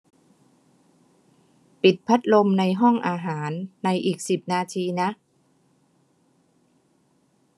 ปิดพัดลมในห้องอาหารในอีกสิบนาทีนะ